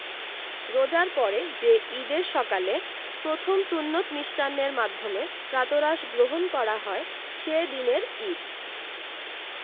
রোজার পরে যে ঈদের সকালে প্রথম সুন্নত মিষ্টান্নের মাধ্যমে প্রাতরাশ গ্রহণ করা হয় সে দিনের ঈদ